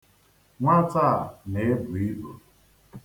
Nwata a na-ebu ibu.